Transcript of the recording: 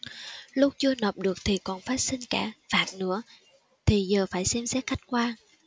lúc chưa nộp được thì còn phát sinh cả phạt nữa thì giờ phải xem xét khách quan